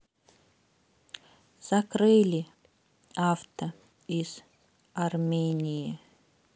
закрыли авто из армении